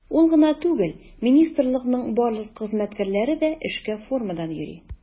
Ул гына түгел, министрлыкның барлык хезмәткәрләре дә эшкә формадан йөри.